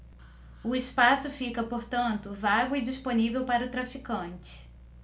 o espaço fica portanto vago e disponível para o traficante